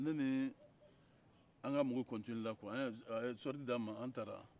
ne ni an ka mɔgɔw kɔntiniyera kuwa a ye sɔriti di an ma an taara